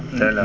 voilà